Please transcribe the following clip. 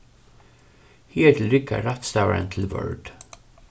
higartil riggar rættstavarin til word